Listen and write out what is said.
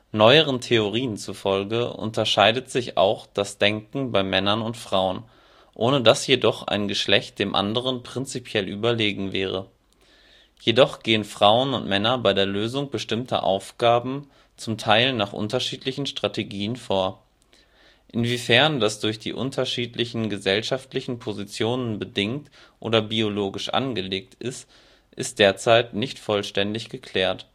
Neueren Theorien zufolge unterscheidet sich auch das Denken bei Männern und Frauen, ohne dass jedoch ein Geschlecht dem anderen prinzipiell überlegen wäre. Jedoch gehen Frauen und Männer bei der Lösung bestimmter Aufgaben (beispielsweise bei der Orientierung) zum Teil nach unterschiedlichen Strategien vor. Inwiefern das durch die unterschiedlichen gesellschaftlichen Positionen bedingt oder biologisch angelegt ist, ist derzeit nicht vollständig geklärt